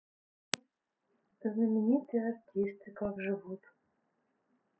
знаменитые артисты как живут